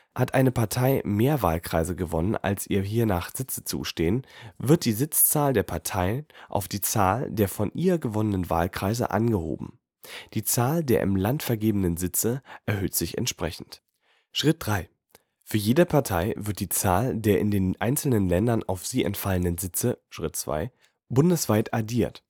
Hat eine Partei mehr Wahlkreise gewonnen, als ihr hiernach Sitze zustehen, wird die Sitzzahl der Partei auf die Zahl der von ihr gewonnenen Wahlkreise angehoben. Die Zahl der im Land vergebenen Sitze erhöht sich entsprechend. Schritt 3: Für jede Partei wird die Zahl der in den einzelnen Ländern auf sie entfallenden Sitze (Schritt 2) bundesweit addiert